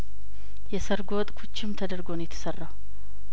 የሰርጉ ወጥ ኩችም ተደርጐ ነው የተሰራው